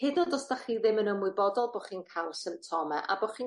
hyd yn o'd os 'dach chi ddim yn ymwybodol bo' chi'n ca'l symptome a bo' chi'n